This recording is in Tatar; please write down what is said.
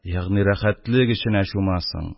Ягъни рәхәтлек эченә чумасын